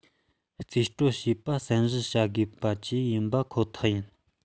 རྩིས སྤྲོད བྱས པ བསམ ཞིབ བྱ དགོས པ བཅས ཡིན པ ཁོ ཐག ཡིན